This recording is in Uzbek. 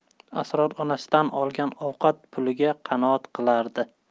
asror onasidan olgan ovqat puliga qanoat qilardi